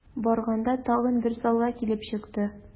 Барганда тагын бер залга килеп чыктык.